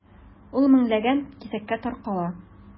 Ул меңләгән кисәккә таркала.